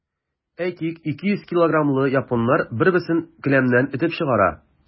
Әйтик, 200 килограммлы японнар бер-берен келәмнән этеп чыгара.